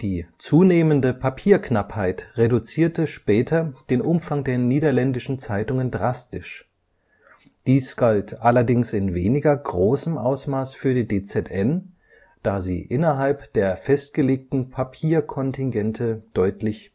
Die zunehmende Papierknappheit reduzierte später den Umfang der niederländischen Zeitungen drastisch, dies galt allerdings in weniger großem Ausmaß für die DZN, da sie innerhalb der festgelegten Papierkontingente –